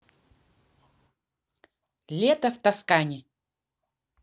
лето в тоскане